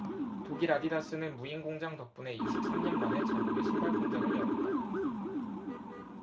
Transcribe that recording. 독일 아디다스는 무인공장 덕분에 이십 삼 년 만에 자국에 신발공장을 열었다